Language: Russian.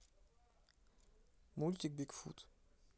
мультик бигфут